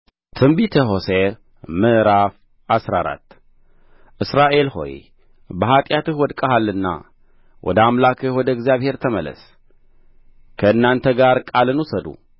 ትንቢተ ሆሴዕ ምዕራፍ አስራ አራት እስራኤል ሆይ በኃጢአትህ ወድቀሃልና ወደ አምላክህ ወደ እግዚአብሔር ተመለስ ከእናንተ ጋር ቃልን ውሰዱ